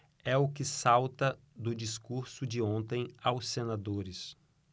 é o que salta do discurso de ontem aos senadores